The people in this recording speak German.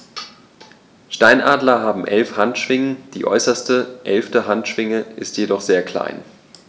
Steinadler haben 11 Handschwingen, die äußerste (11.) Handschwinge ist jedoch sehr klein.